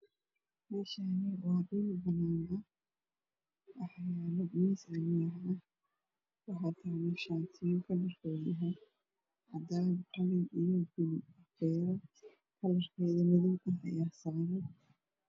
Meeshaan waa dhul banaan ah waxaa yaalo miis alwaax ah waxaa saaran shaatiyo kalarkeedu uu yahay cadaan, qalin iyo gaduud iyo fanaanad madow ah.